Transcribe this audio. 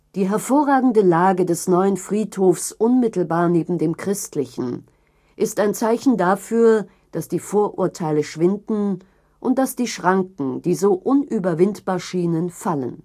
die hervorragende Lage des neuen Friedhofs unmittelbar neben dem christlichen … [ist] ein Zeichen dafür, daß die Vorurteile schwinden und daß die Schranken, die so unüberwindbar schienen, fallen